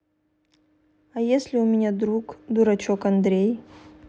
а если у меня друг дурачок андрей